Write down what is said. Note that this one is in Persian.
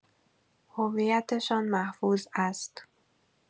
هویتشان محفوظ است.